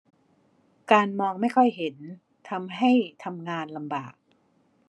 การมองไม่ค่อยเห็นทำให้ทำงานลำบาก